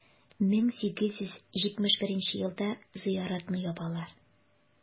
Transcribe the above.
1871 елда зыяратны ябалар.